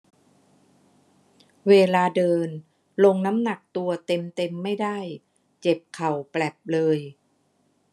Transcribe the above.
เวลาเดินลงน้ำหนักตัวเต็มเต็มไม่ได้เจ็บเข่าแปลบเลย